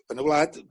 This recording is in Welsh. yn y wlad